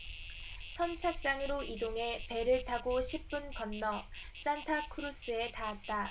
선착장으로 이동해 배를 타고 십 분을 건너 산타크루스에 닿았다